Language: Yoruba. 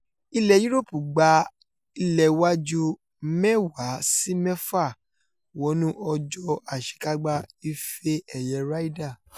Ilẹ̀ Yuroopu gba ìléwájú 10-6 wọnú ọjọ́ àṣèkágbá Ife-ẹ̀yẹ Ryder.